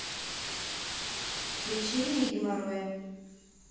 лечение геморроя